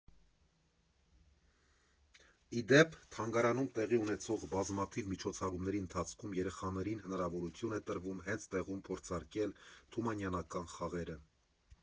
Ի դեպ, թանգարանում տեղի ունեցող բազմաթիվ միջոցառումների ընթացքում երեխաներին հնարավորություն է տրվում հենց տեղում փորձարկել թումանյանական խաղերը։